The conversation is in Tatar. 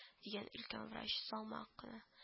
— диде өлкән врач, салмак кына